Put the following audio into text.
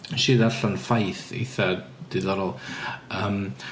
Wnes i ddarllen ffaith eitha diddorol yym...